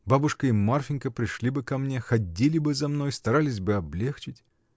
Бабушка и Марфинька пришли бы ко мне, ходили бы за мной, старались бы облегчить.